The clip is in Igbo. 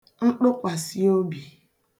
nṭụkwàsịobī